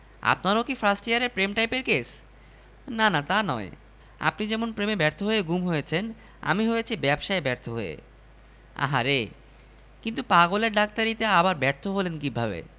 আপনারও কি ফার্স্ট ইয়ারের প্রেমটাইপের কেস না না তা নয় আপনি যেমন প্রেমে ব্যর্থ হয়ে গুম হয়েছেন আমি হয়েছি ব্যবসায় ব্যর্থ হয়ে আহা রে কিন্তু পাগলের ডাক্তারিতে আবার ব্যর্থ হলেন কীভাবে